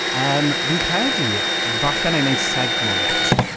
Yym fi'n credu, falle wna i wneud segmwnt.